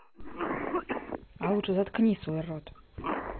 а лучше заткни свой рот